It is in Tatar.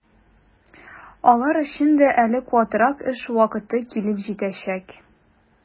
Алар өчен дә әле катырак эш вакыты килеп җитәчәк.